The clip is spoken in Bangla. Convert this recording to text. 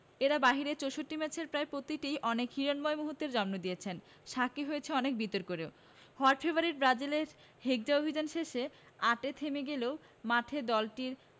এর বাইরে ৬৪ ম্যাচের প্রায় প্রতিটিই অনেক হিরণ্ময় মুহূর্তের জন্ম দিয়েছে সাক্ষী হয়েছে অনেক বিতর্কেরও হট ফেভারিট ব্রাজিলের হেক্সা অভিযান শেষ আটে থেমে গেলেও মাঠে দলটির